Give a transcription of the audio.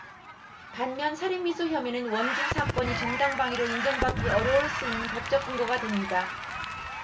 반면 살인미수 혐의는 원주 사건이 정당방위로 인정받기 어려울 수 있는 법적 근거가 됩니다